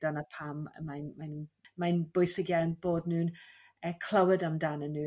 dyna pam mae'n mae'n mae'n bwysig iawn bod n'w'n clywed amdanyn nhw